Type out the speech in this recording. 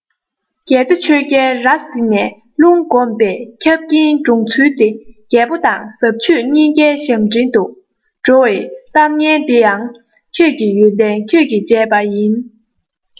རྒྱལ རྩེ ཆོས རྒྱལ ར བཟི ནས རླུང བསྒོམས པས འཁྱབས རྐྱེན གྲོངས ཚུལ དེ རྒྱལ པོ དང ཟབ ཆོས གཉིས ཀའི ཞབས འདྲེན དུ འགྲོ བའི གཏམ ངན འདི ཡང ཁྱོད ཀྱི ཡོན ཏན ཁྱོད ཀྱི བྱས པ ཡིན